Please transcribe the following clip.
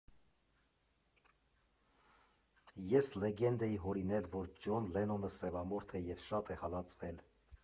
Ես լեգենդ էի հորինել, որ Ջոն Լենոնը սևամորթ է և շատ է հալածվել։